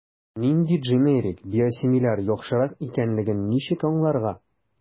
Нинди дженерик/биосимиляр яхшырак икәнлеген ничек аңларга?